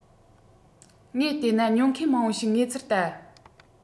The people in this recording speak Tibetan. ངས བལྟས ན ཉོ མཁན མང པོ ཞིག ངེས ཚུལ ལྟ